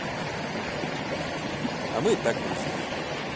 а мы так друзья